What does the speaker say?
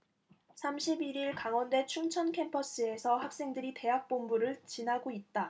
삼십 일 일 강원대 춘천캠퍼스에서 학생들이 대학본부를 지나고 있다